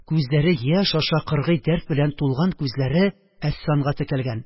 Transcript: Күзләре – яшь аша кыргый дәрт белән тулган күзләре әсфанга текәлгән